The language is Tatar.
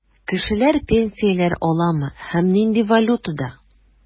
Кешеләр пенсияләр аламы һәм нинди валютада?